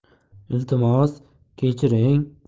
iltimos kechiring